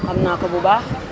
xam naa ko bu baax